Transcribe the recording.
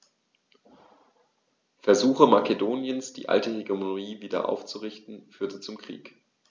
Versuche Makedoniens, die alte Hegemonie wieder aufzurichten, führten zum Krieg.